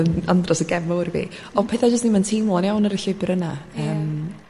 yym yn andros o gefn mawr i fi o'dd petha jyst ddim yn teimlo'n iawn ar y llwybyr yna yym